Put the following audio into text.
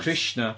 Krishna.